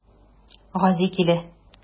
Гази килә.